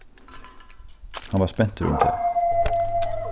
hann var spentur um tað